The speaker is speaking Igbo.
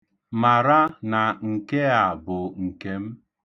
Mara na nke a bụ nke m.